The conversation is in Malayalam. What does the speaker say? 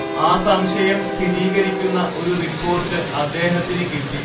ആ സംശയം സ്ഥിരീകരിക്കുന്ന ഒരു റിപ്പോർട്ട് അദ്ദേഹത്തിന് കിട്ടി